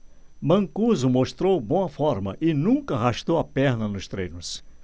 mancuso mostrou boa forma e nunca arrastou a perna nos treinos